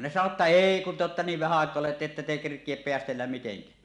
ne sanoi jotta ei kun te olette niin vähän aikaa ollut jotta ette te kerkiä päästellä mitenkään -